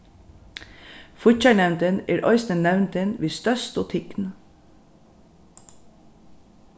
fíggjarnevndin er eisini nevndin við størstu tign